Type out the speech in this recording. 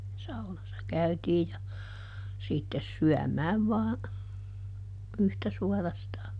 saunassa käytiin ja sitten syömään vain yhtä suorastaan